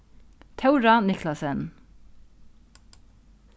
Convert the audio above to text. tóra niclasen